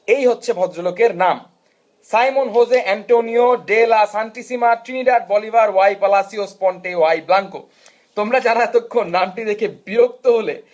এই হচ্ছে বদল ভদ্রলোকের নাম Simon Jose Antonio de la Santisima Trinidad Bolivar y Palacios Ponte y Blanco তোমরা যারা এতক্ষণ নামটি দেখে বিরক্ত হলে